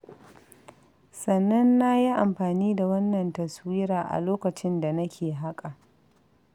Sannan na yi amfani da wannan taswira a lokacin da nake haƙa.